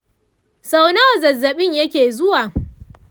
sau nawa zazzabin yake zuwa?